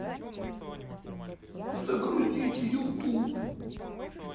загрузить ютуб